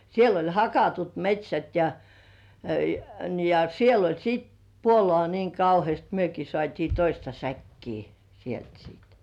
siellä oli hakatut metsät ja ja ja niin siellä oli sitten puolukkaa niin kauheasti mekin saatiin toista säkkiä sieltä sitten